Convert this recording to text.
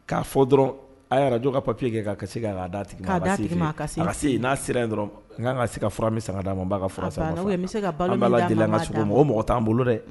K'a fɔ dɔrɔnw a ye radio k'ay papier kɛ ka cachet kɛ k'a d'a tigi ma, k'a d'a igi man, a se yen, n'a sera yen dɔrɔn n ka kan se ka fura min san k'a d'a ma, n b'a san k'a d'a ma a baana, ou bien n bɛ se ka balo min di an ma, a b'o d'a ma, o mɔgɔ t'an bolo dɛ